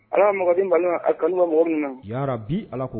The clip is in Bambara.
Ala ka mɔgɔ di Mali ma a kanu bɛ mɔgɔ minnu na yaarabi Ala k'o